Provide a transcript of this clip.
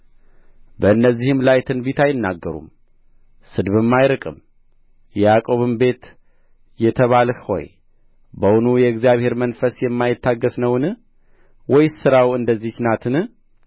በእነዚህ ላይ ትንቢት አይናገሩም ስድብም አይርቅም የያዕቆብ ቤት የተባልህ ሆይ በውኑ የእግዚአብሔር መንፈስ የማይታገሥ ነውን ወይስ ሥራው እንደዚች ናትን